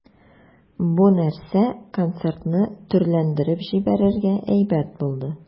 Бу нәрсә концертны төрләндереп җибәрергә әйбәт булды.